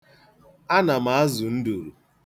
Ana m azụ nduru.